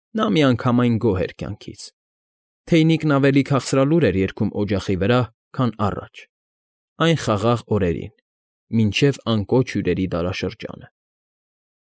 Նա միանգամայն գոհ էր կյանքից, թեյնիկն ավելի քաղցրալուր էր երգում օջախի վրա, քան առաջ՝ այն խաղաղ օրերին, մինչև Անկոչ Հյուրերի դարաշրջանը։